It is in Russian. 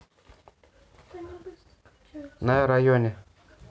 на районе